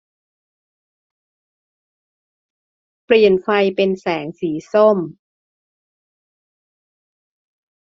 เปลี่ยนไฟเป็นแสงสีส้ม